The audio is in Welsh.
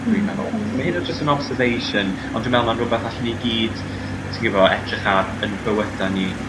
Dwi'n meddwl. Ma' hynna jyst yn observation ond dwi me'wl ma'n rwbath allwn ni gyd ti gwbo edrych ar yn byweda ni.